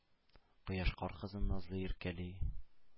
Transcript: Кояш кар кызын назлый, иркәли,